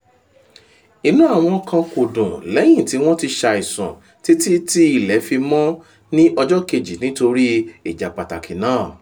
Ìnú àwọn kan kò dùn lẹ́yìn tí wọ́n ti ṣàìsùn títí tí ilẹ̀ fi mọ́ ní ọjọ́ kejì nítorí ìjà pàtàkì náà.